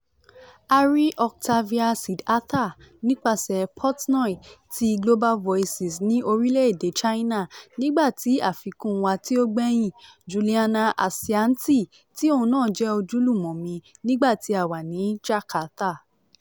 A rí Oktavia Sidharta nípasẹ̀ Portnoy ti Global Voices ní orílẹ̀ èdè China, nígbà tí àfikún wa tí ó gbẹ́yìn, Juliana Harsianti, tí òun náà jẹ́ ojúlùmọ̀ mi nígbà tí a wà ní Jakarta.